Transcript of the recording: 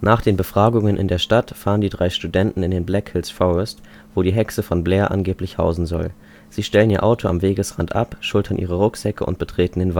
Nach den Befragungen in der Stadt fahren die drei Studenten in den Black Hills Forest, wo die Hexe von Blair angeblich hausen soll. Sie stellen ihr Auto am Wegrand ab, schultern ihre Rucksäcke und betreten